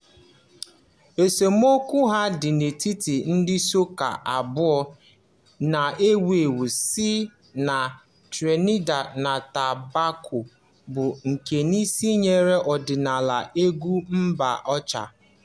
Esemokwu ahụ dị n'etiti ndị sọka abụọ na-ewu ewu si na Trinidad na Tobago bụ nkwe n'isi nyere ọdịnala égwú mgbe ochie.